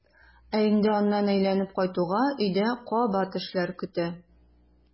Ә инде аннан әйләнеп кайтуга өйдә кабат эшләр көтә.